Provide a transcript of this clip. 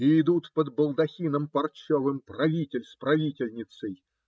И идут под балдахином парчовым правитель с правительницей